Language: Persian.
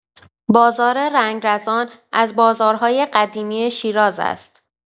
بازار رنگرزان از بازارهای قدیمی شیراز است.